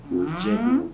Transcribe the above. Jigi jigi